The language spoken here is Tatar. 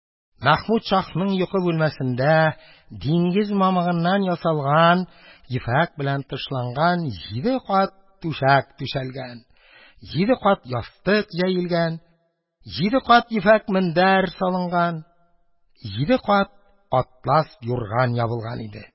Мәхмүд шаһның йокы бүлмәсендә диңгез мамыгыннан ясалган, ефәк белән тышланган җиде кат түшәк түшәлгән, җиде кат ястык җәелгән, җиде кат ефәк мендәр салынган, җиде кат атлас юрган ябылган иде.